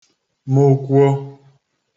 mụkwo